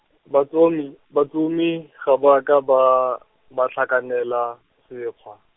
batsomi, batsomi, ga ba a ka ba, ba tlhakanela, sekgwa.